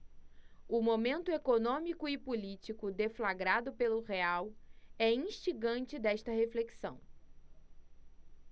o momento econômico e político deflagrado pelo real é instigante desta reflexão